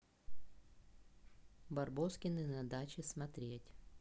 барбоскины на даче смотреть